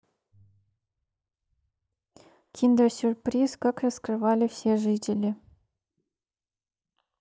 kinder surprise как раскрывали все жители